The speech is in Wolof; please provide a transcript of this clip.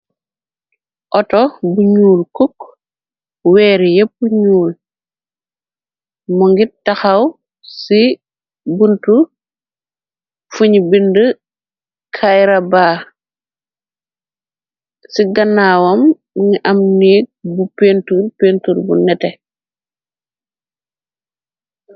Oto bu ñuul cok , weere yepp ñuul, mo ngir taxaw ci buntu fuñi bind kayraba. Ci ganaawam ni am néek bu pentur , pentur bu nete.